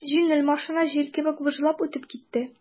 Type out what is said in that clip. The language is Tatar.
Җиңел машина җил кебек выжлап үтеп китте.